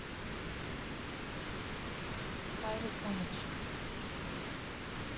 Հայրս տանը չի։